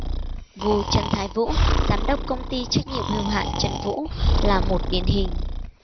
vụ trần thái vũ giám đốc công ty trách nhiệm hữu hạn trần vũ là một điển hình